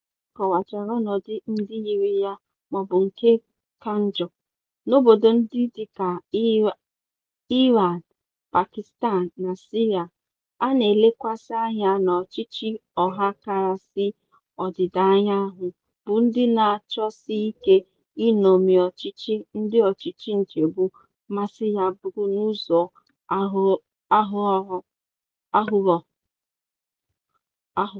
Mgbe a kọwachara ọnọdụ ndị yiri ya (maọbụ nke ka njọ) n'obodo ndị dịka Iran, Pakistan na Syria, a na-elekwasị anya n'ọchịchị ọhakarasị Ọdịdaanyanwụ - bụ ndị na-achọsi ike iṅomi ọchịchị ndị ọchịchị nchịgbu, masị ya bụrụ n'ụzọ aghụghọ.